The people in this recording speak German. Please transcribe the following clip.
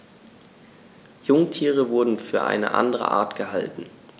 Jungtiere wurden für eine andere Art gehalten.